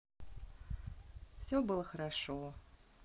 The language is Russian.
все было хорошо